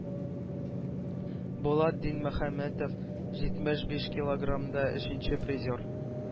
Булат Динмөхәммәтов җитмеш биш килограммда– өченче призер.